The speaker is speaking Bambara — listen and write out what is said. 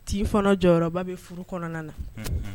Tin fana jɔyɔrɔba bɛ furu kɔnɔna na. Unhun!